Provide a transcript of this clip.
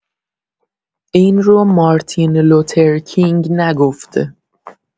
این رو مارتین لوترکینگ نگفته.